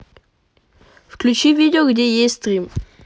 включи видео где есть стрим